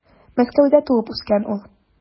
Мәскәүдә туып үскән ул.